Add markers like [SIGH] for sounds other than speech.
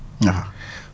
waa [BREATH]